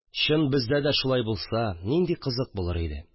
Чын, бездә дә шулай булса, нинди кызык булыр иде